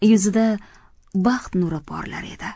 yuzida baxt nuri porlar edi